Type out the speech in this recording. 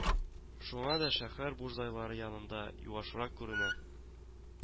Шуңа да шәһәр бурзайлары янында юашрак күренә